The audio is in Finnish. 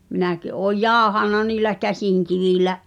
minäkin olen jauhanut niillä käsinkivillä